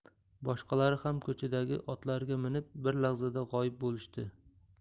boshqalari ham ko'chadagi otlariga minib bir lahzada g'oyib bo'lishdi